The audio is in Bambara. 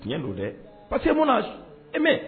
Tiɲɛ don dɛ pa que mun na e mɛn